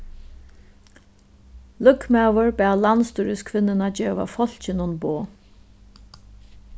løgmaður bað landsstýriskvinnuna geva fólkinum boð